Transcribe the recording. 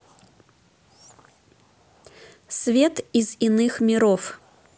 свет из иных миров